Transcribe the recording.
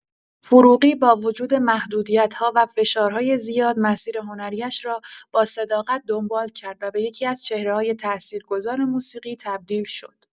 فروغی با وجود محدودیت‌ها و فشارهای زیاد، مسیر هنری‌اش را با صداقت دنبال کرد و به یکی‌از چهره‌های تاثیرگذار موسیقی تبدیل شد.